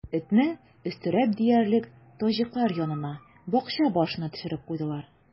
Этне, өстерәп диярлек, таҗиклар янына, бакча башына төшереп куйдылар.